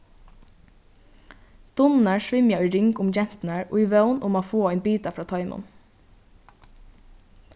dunnurnar svimja í ring um genturnar í vón um at fáa ein bita frá teimum